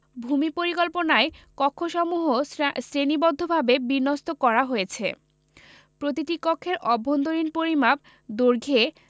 ভূমি পরিকল্পনায় কক্ষসমূহ শ্রেণীবদ্ধভাবে বিন্যাস করা হয়েছে প্রতিটি কক্ষের অভ্যন্তরীণ পরিমাপ দৈর্ঘ্যে